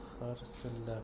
qol dedi onam harsillab